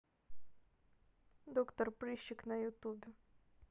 доктор прыщик на ютубе